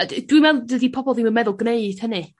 A d- dwi me'wl dydi pobol ddim yn meddwl gneud hynny.